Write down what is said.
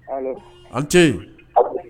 An tɛ